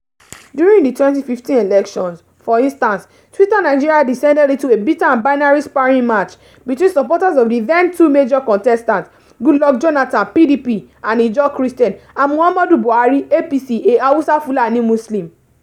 During the 2015 elections, for instance, Twitter Nigeria descended into a bitter and binary sparring match between supporters of the then-two major contestants, Goodluck Jonathan (PDP, an Ijaw Christian) and Muhammadu Buhari (APC, a Hausa, Fulani Muslim).